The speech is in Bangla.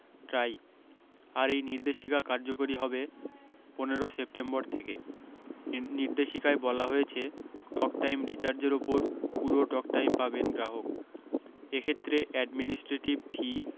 ট্রাই আর এই নির্দেশিকা কার্যকরী হবে পনের সেপ্টেম্বর থেকে নির্দেশিকায় বলা হয়েছে টক টাইম রিচার্জের উপরে পুরো টক টাইম পাবেন গ্রাহক এ ক্ষেত্রে অ্যাডমিনিস্ট্রেটিভ ফি